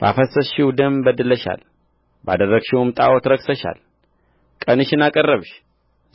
ባፈሰስሽው ደም በድለሻል ባደረግሽውም ጣዖታት ረክሰሻል ቀንሽን አቀረብሽ